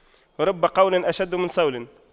رب قول أشد من صول